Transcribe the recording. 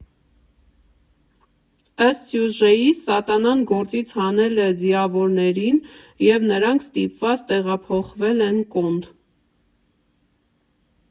Ըստ սյուժեի՝ Սատանան գործից հանել է ձիավորներին և նրանք ստիպված տեղափոխվել են Կոնդ։